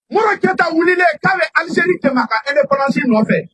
Moro Keita wulilen k'a be Algérie dɛmɛ a ka indépendance nɔfɛ